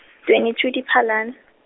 twenty two Diphalane.